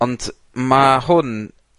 Ond ma' hwn